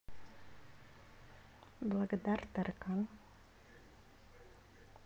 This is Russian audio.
благодар таркан